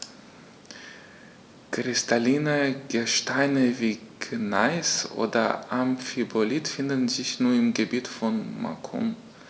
Kristalline Gesteine wie Gneis oder Amphibolit finden sich nur im Gebiet von Macun.